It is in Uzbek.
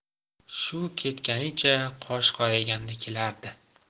shu ketganicha qosh qorayganda kelardi